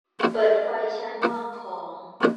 เปิดไฟชั้นวางของ